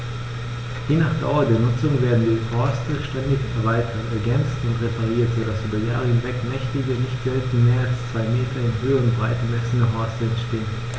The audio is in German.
Je nach Dauer der Nutzung werden die Horste ständig erweitert, ergänzt und repariert, so dass über Jahre hinweg mächtige, nicht selten mehr als zwei Meter in Höhe und Breite messende Horste entstehen.